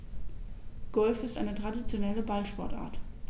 Golf ist eine traditionelle Ballsportart.